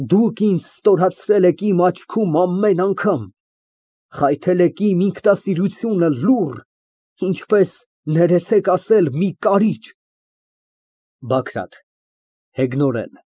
Դուք ինձ ստորացրել եք իմ աչքում ամեն անգամ, խայթել եք իմ ինքնասիրությունը լուռ, ինչպես, ներեցեք ասել, մի կարիճ… ԲԱԳՐԱՏ ֊ (Հեգնորեն)